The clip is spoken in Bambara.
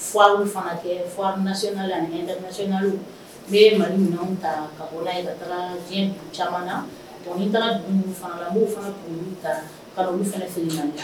Kɛ ani n mali ta ka ka taara caman fana ta ka fana fini ɲɔgɔn